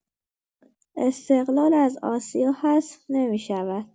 استقلال از آسیا حذف نمی‌شود.